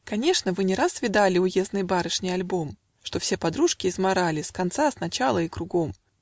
Конечно, вы не раз видали Уездной барышни альбом, Что все подружки измарали С конца, с начала и кругом.